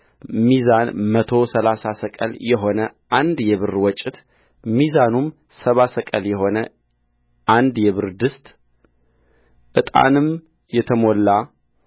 ሚዛን መቶ ሠላሳ ሰቅል የሆነ አንድ የብር ወጭት ሚዛኑም ሰባ ሰቅል የሆነ አንድ የብር ድስትዕጣንም የተሞላ